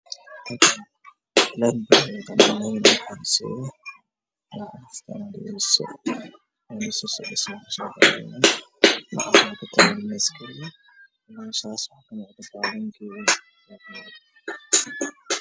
Bishan oo millenni ah waxa marayo midabkeedu yahay jaallo oo hagaajineyso laamiga